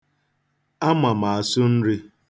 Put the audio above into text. Ama m asụ nri.